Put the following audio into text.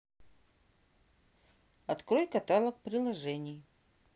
открой каталог приложений